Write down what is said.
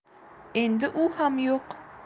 endi u ham yo'q